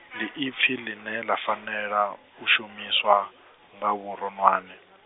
ndi ipfi ḽine ḽa fanela u shumiswa, nga vhuronwane.